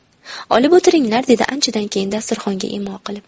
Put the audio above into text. olib o'tiringlar dedi anchadan keyin dasturxonga imo qilib